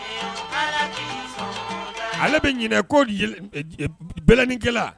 ae bɛ ɲinɛ ko bɛɛlɛliikɛla